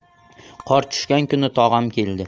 qor tushgan kuni tog'am keldi